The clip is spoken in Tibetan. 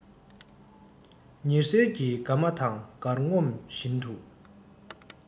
ཉི ཟེར གྱི དགའ མ དང དགར ངོམ བཞིན དུ